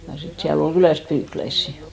ja sitten siellä oli kylästä pyykkiläisiä